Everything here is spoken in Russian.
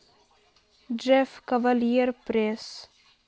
джефф кавальер пресс